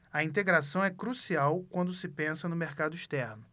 a integração é crucial quando se pensa no mercado externo